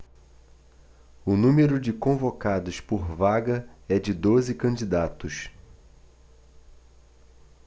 o número de convocados por vaga é de doze candidatos